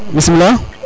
bismila